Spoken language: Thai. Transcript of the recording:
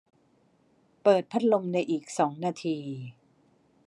เปิดพัดลมในอีกสองนาที